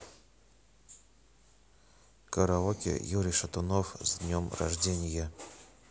караоке юрий шатунов с днем рождения